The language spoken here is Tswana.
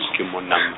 ke monna m-.